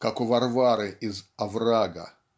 как у Варвары из "Оврага".